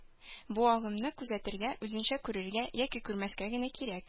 Бу агымны күзәтергә, үзеңчә күрергә, яки күрмәскә генә кирәк